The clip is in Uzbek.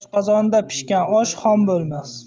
doshqozonda pishgan osh xom bo'lmas